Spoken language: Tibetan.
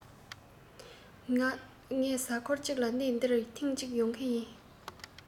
ངས གཟའ མཁོར ཅིག ལ གནས འདིར ཐེང ཅིག ཡོང གི ཡོད